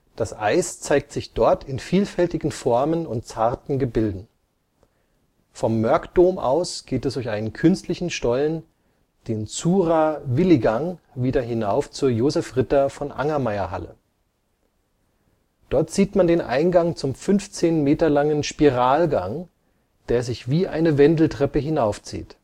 Das Eis zeigt sich dort in vielfältigen Formen und zarten Gebilden. Vom Mörkdom aus geht es durch einen künstlichen Stollen, den Zuhra-Willi-Gang, wieder hinauf zur Josef-Ritter-von-Angermayer-Halle. Dort sieht man den Eingang zum 15 Meter langen Spiralgang, der sich wie eine Wendeltreppe hinaufzieht